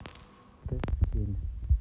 тест семь